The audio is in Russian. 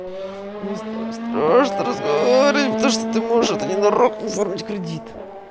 мне с тобой страшно разговаривать потому что ты можешь это ненароком оформить кредит